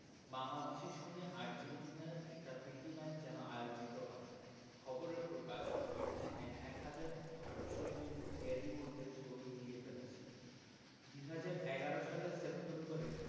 বাংলাদেশের সঙ্গে আর্জেন্টিনার একটা প্রীতি ম্যাচ যেন আয়োজিত হয় খবরে প্রকাশ পিটিশনে ১ হাজার ৮০০ জন এরই মধ্যে সই দিয়ে ফেলেছেন ২০১১ সালের সেপ্টেম্বরে